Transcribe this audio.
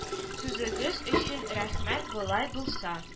Сүзегез өчен рәхмәт болай булса